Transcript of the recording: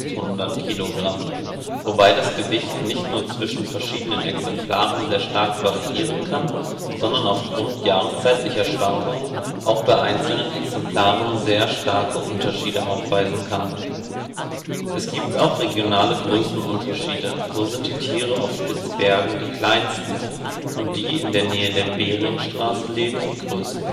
500) Kilogramm, wobei das Gewicht nicht nur zwischen verschiedenen Exemplare sehr stark variieren kann, sondern aufgrund jahreszeitlicher Schwankungen auch bei einzelnen Exemplaren sehr starke Unterschiede aufweisen kann. Es gibt auch regionale Größenunterschiede, so sind die Tiere auf Spitzbergen die kleinsten und die, die in der Nähe der Beringstraße leben, die größten